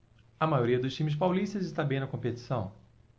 a maioria dos times paulistas está bem na competição